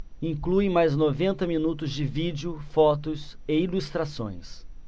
inclui mais de noventa minutos de vídeo fotos e ilustrações